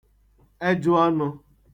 ejụọnụ̄